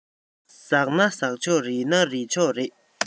ཟག ན ཟག ཆོག རིལ ན རིལ ཆོག རེད